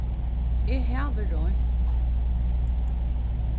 eg havi roynt